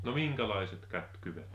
no minkälaiset kätkyet